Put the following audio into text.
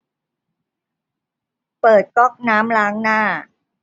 เปิดก๊อกน้ำล้างหน้า